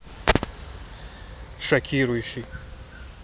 шокирующий